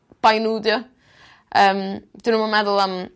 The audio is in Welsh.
bai n'w 'di o yym 'dyn nw'm yn meddwl am